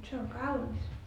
se on kaunis